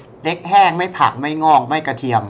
เล็กแห้งไม่ผักไม่งอกไม่กระเทียม